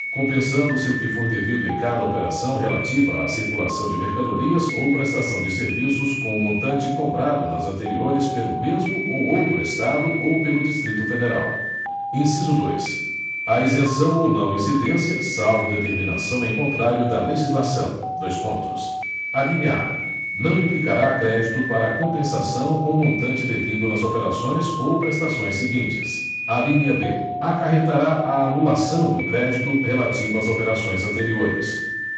compensando se o que for devido em cada operação relativa à circulação de mercadorias ou prestação de serviços com o montante cobrado nas anteriores pelo mesmo ou outro estado ou pelo distrito federal inciso dois a isenção ou não incidência salvo determinação em contrário da legislação dois pontos alínea a não implicará crédito para compensação com o montante devido nas operações ou prestações seguintes alínea b acarretará a anulação do crédito relativo às operações anteriores